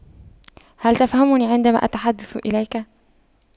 هل تفهمني عندما أتحدث إليك